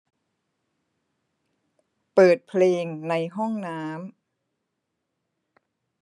เปิดเพลงในห้องน้ำ